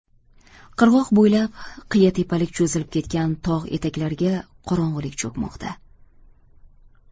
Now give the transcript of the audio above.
qirg'oq bo'ylab qiya tepalik cho'zilib ketgan tog' etaklariga qorong'ulik cho'kmoqda